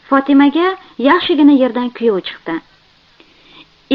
fotimaga yaxshigina yerdan kuyov chiqdi